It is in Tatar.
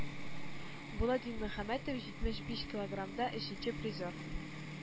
Булат Динмөхәммәтов җитмеш биш килограммда– өченче призер.